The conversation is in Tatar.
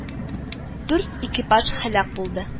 Дүрт экипаж һәлак булды